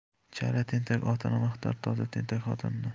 chala tentak otini maqtar toza tentak xotinini